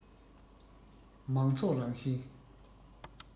མང ཚོགས རང བཞིན